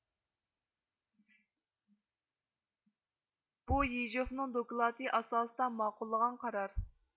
بۇ يېژوفنىڭ دوكلاتى ئاساسىدا ماقۇللىغان قارار